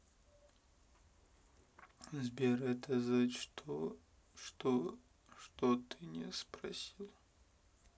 сбер это за то что что ты не простил